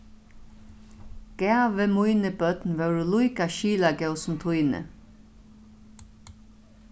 gævi míni børn vóru líka skilagóð sum tíni